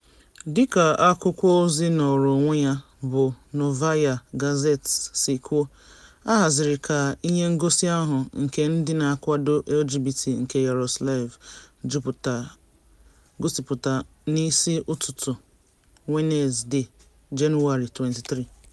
Dịka akwụkwọozi nọọrọ onwe ya bụ Novaya Gazeta si kwuo, a haziri ka ihe ngosi ahụ nke ndị na-akwado LGBT nke Yaroslavl gosipụta n'isi ụtụtụ Wenezdee, Jenụwarị 23.